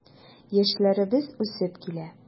Яшьләребез үсеп килә.